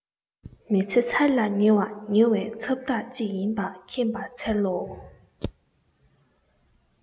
མི ཚེ ཚར ལ ཉེ བ ཉེ བའི ཚབ རྟགས ཅིག ཡིན པ མཁྱེན པར འཚལ ལོ